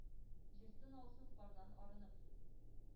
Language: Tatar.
Җир тын алсын, кардан арынып,